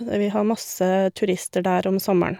Vi har masse turister der om sommeren.